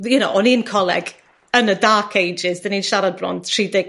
you know o'n i'n coleg yn y dark ages 'dyn ni'n siarad bron tri deg